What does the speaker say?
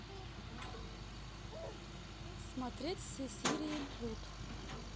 смотреть все серии плут